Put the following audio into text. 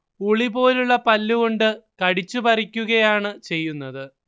ഉളി പോലുള്ള പല്ലു കൊണ്ട് കടിച്ചു പറിക്കുകയാണ് ചെയ്യുന്നത്